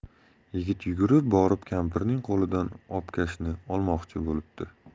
yigit yugurib borib kampirning qo'lidan obkashni olmoqchi bo'libdi